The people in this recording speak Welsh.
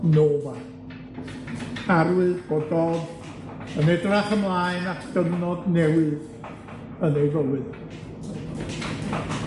nova, arwydd bod Dodd yn edrach ymlaen at gyfnod newydd yn ei fywyd.